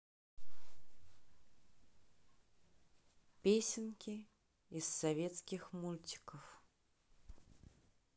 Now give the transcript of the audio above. песенки из советских мультиков